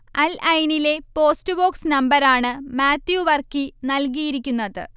അൽ ഐ നിലെ post box നമ്പരാണ് മാത്യു വർക്കി നൽകിയിരുന്നത്